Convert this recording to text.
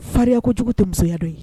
Faya ko cogo tɛya dɔ ye